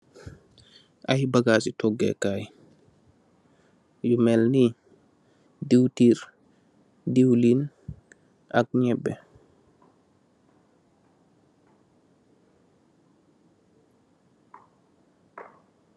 Aye bagaasi togee kaay, yu mel nii, diwtir, diwlin ak nyebeh.